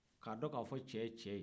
k'a dɔn k'a fɔ cɛ ye cɛ ye